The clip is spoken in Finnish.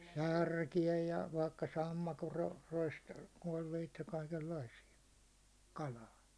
särkiä ja vaikka sammakon -- koipia ja kaikenlaisia kalaa